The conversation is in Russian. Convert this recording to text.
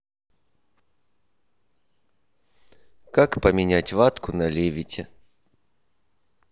как поменять ватку на левите